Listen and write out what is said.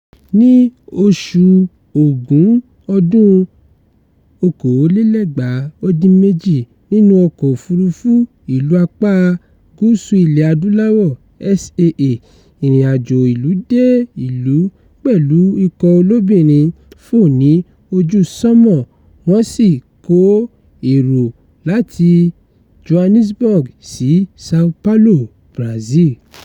Ní oṣù Ògún ọdún 2018, nínú ọkọ̀ òfuurufú ìlú apá Gúúsù Ilẹ̀-Adúláwọ̀ SAA, ìrìnàjò ìlú dé ìlú pẹ̀lú ikọ̀ olóbìnrin fò ní ojú sánmà wọ́n sì kó èrò láti Johannesburg sí Sao Paulo, Brazil.